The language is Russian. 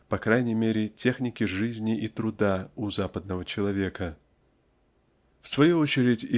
по крайней мере технике жизни и труда у западного человека. В свою очередь